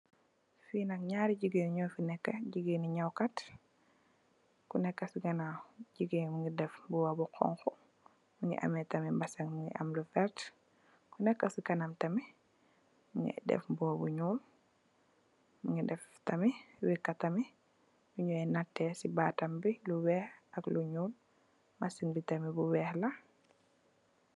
Fii nak ñaari jigeen ñoofi neka, jigeeni ñawkat, kuneka si ganaaw, jigeen mungi def lu mbuba bu xonxu, mungi ameh tamih mbasen mungi am lu vert, ku nek si kanam tamih, mungi def mbuba bu ñuul, mungi def tamih wèka tamih, luñoy natee si baatam bi, lu weeh ak lu ńuul, masin bi tamih bu weeh la.